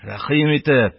Рәхим итеп,